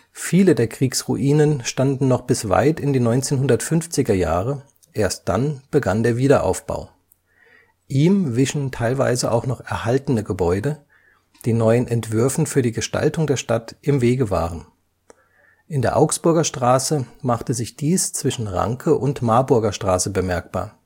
Viele der Kriegsruinen standen noch bis weit in die 1950er Jahre, erst dann begann der Wiederaufbau. Ihm wichen teilweise auch noch erhaltene Gebäude, die neuen Entwürfen für die Gestaltung der Stadt im Wege waren. In der Augsburger Straße machte sich dies zwischen Ranke - und Marburger Straße bemerkbar